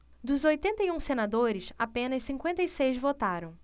dos oitenta e um senadores apenas cinquenta e seis votaram